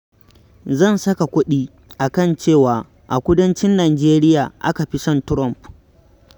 Zan saka kuɗi a kan cewa, a kudancin Nijeriya aka fi son Trumph.